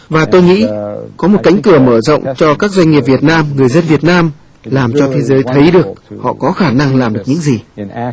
và tôi nghĩ có một cánh cửa mở rộng cho các doanh nghiệp việt nam người dân việt nam làm cho thế giới thấy được họ có khả năng làm được những gì